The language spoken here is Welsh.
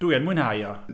Dwi yn mwynhau o!